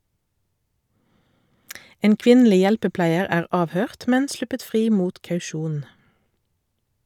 En kvinnelig hjelpepleier er avhørt, men sluppet fri mot kausjon.